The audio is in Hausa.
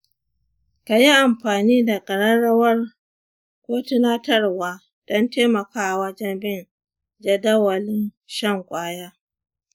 ka yi amfani da ƙararrawa ko tunatarwa don taimakawa wajen bin jadawalin shan kwaya.